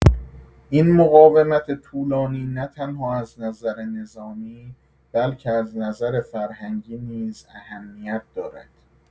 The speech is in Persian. این مقاومت طولانی نه‌تنها از نظر نظامی، بلکه از نظر فرهنگی نیز اهمیت دارد.